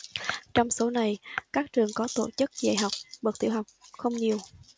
trong số này các trường có tổ chức dạy học bậc tiểu học không nhiều